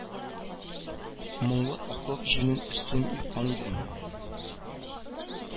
Моңлы аклык җирнең өстен япкан иде